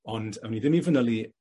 Ond awn ni ddim i fanylu